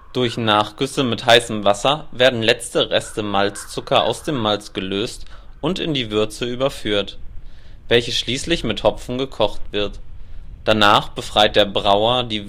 Durch Nachgüsse mit heißem Wasser werden letzte Reste Malzzucker aus dem Malz gelöst und in die Würze überführt, welche schließlich mit Hopfen gekocht wird. Danach befreit der Brauer die